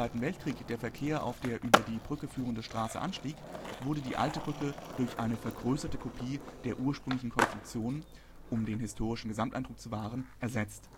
Weltkrieg der Verkehr auf der über die Brücke führende Straße anstieg, wurde die alte Brücke durch eine vergrößerte Kopie der ursprünglichen Konstruktion – um den historischen Gesamteindruck zu wahren – ersetzt